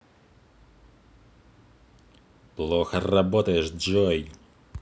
плохо работаешь джой